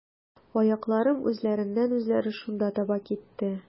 Аякларым үзләреннән-үзләре шунда таба китте.